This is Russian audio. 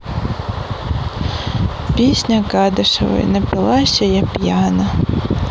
песня кадышевой напилася я пьяна